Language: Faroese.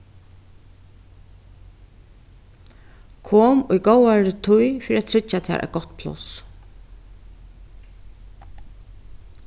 kom í góðari tíð fyri at tryggja tær eitt gott pláss